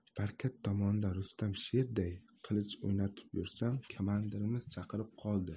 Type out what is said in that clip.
parkat tomonda rustam sherday qilich o'ynatib yursam kamandirimiz chaqirib qoldi